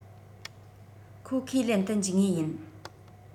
ཁོ ཁས ལེན དུ འཇུག ངེས ཡིན